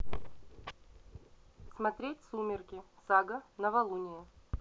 смотреть сумерки сага новолуние